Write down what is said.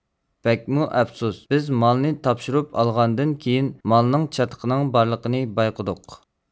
بەكمۇ ئەپسۇس بىز مالنى تاپشۇرۇپ ئالغاندىن كېيىن مالنىڭ چاتىقىنىڭ بارلىقىنى بايقىدۇق